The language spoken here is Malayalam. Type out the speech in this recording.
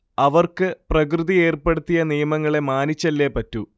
അവർക്ക് പ്രകൃതി ഏർപ്പെടുത്തിയ നിയമങ്ങളെ മാനിച്ചല്ലേ പറ്റൂ